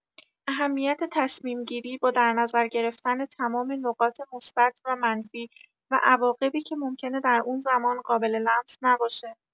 اهمیت تصمیم‌گیری با در نظر گرفتن تمام نقاط مثبت و منفی، و عواقبی که ممکنه در اون زمان قابل‌لمس نباشه.